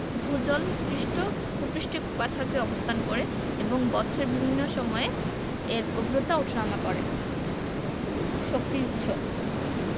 ভূ জল পৃষ্ঠ ভূ পৃষ্ঠের খুব কাছাকাছি অবস্থান করে এবং বৎসরের বিভিন্ন সময় এর গভীরতা উঠানামা করে শক্তির উৎস